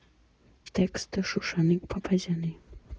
Տեքստը՝ Շուշանիկ Փափազյանի։